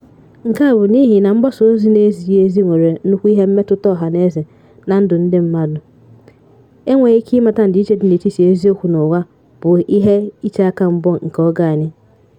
Nke a bụ n'ịhị na mgbasaozi n'ezighị ezi nwere nnukwu ihe mmetụta ọhanaeze na ndụ ndị mmadụ; enweghị ike ịmata ndịiche dị n'etiti eziokwu na ụgha bụ ihe iche akamgba nke oge anyị.